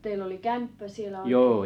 teillä oli kämppä siellä oikein